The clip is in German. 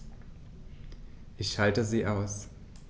Ich schalte sie aus.